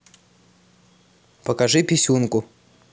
покажи писюнку